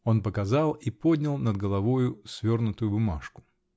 Он показал и поднял над головою свернутую бумажку.